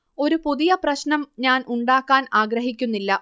ഒരു പുതിയ പ്രശ്നം ഞാൻ ഉണ്ടാക്കാൻ ആഗ്രഹിക്കുന്നില്ല